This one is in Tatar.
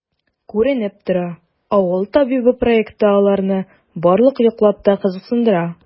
Күренеп тора,“Авыл табибы” проекты аларны барлык яклап та кызыксындыра.